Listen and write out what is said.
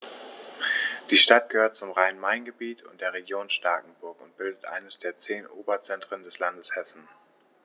Die Stadt gehört zum Rhein-Main-Gebiet und der Region Starkenburg und bildet eines der zehn Oberzentren des Landes Hessen.